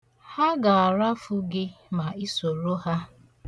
Ha ga-arafu gị ma ị soro ha.